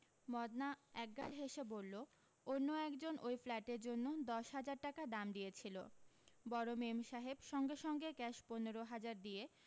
মদনা একগাল হেসে বললো অন্য একজন ওই ফ্ল্যাটের জন্য দশ হাজার টাকা দাম দিয়েছিল বড় মেমসাহেব সঙ্গে সঙ্গে ক্যাশ পনেরো হাজার দিয়ে